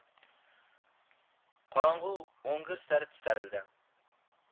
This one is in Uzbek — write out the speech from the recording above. qorong'i o'ngir sari tisarildi